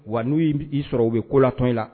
Wa n'u y'i sɔrɔ u bɛ kolatɔ la